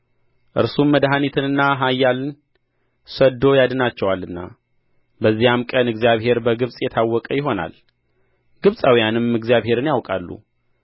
እርሱም መድኃኒትንና ኃያልን ሰድዶ ያድናቸዋልና በዚያም ቀን እግዚአብሔር በግብጽ የታወቀ ይሆናል ግብጽአውያንም እግዚአብሔርን ያውቃሉ